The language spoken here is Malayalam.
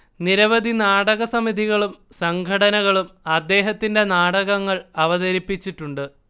നിരവധി നാടക സമിതികളും സംഘടനകളും അദ്ദേഹത്തിന്റെ നാടകങ്ങൾ അവതരിപ്പിച്ചിട്ടുണ്ട്